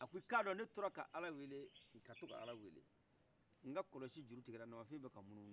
a ko i ka dɔn ne tora k'ala wele k'ala wele nka kɔlɔsi jurutikɛra namafin bɛ kan munumunu